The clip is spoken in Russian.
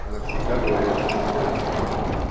Она всегда говорила сентенциями.